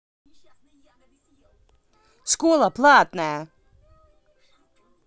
школа платная